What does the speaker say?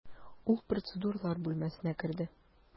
Ул процедуралар бүлмәсенә керде.